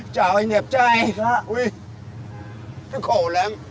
chào anh đẹp trai ui tôi khổ lắm